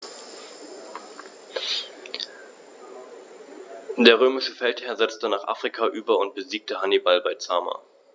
Der römische Feldherr setzte nach Afrika über und besiegte Hannibal bei Zama.